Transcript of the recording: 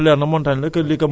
kër Lika mooy ci kaw